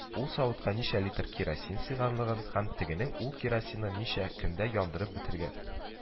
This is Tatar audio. Ул савытка ничә литр керосин сыйганлыгын һәм тегенең ул керосинны ничә көндә яндырып бетергән